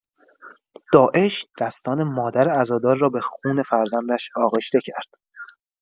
داعش دستان مادر عزادار را به خون فرزندش آغشته کرد!